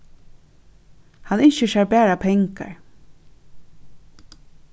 hann ynskir sær bara pengar